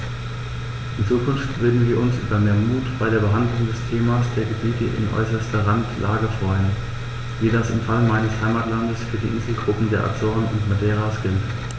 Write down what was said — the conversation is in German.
In Zukunft würden wir uns über mehr Mut bei der Behandlung des Themas der Gebiete in äußerster Randlage freuen, wie das im Fall meines Heimatlandes für die Inselgruppen der Azoren und Madeiras gilt.